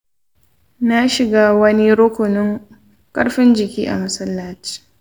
na shiga wani rukunin ƙarfin-jiki a masallaci.